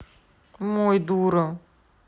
мой дура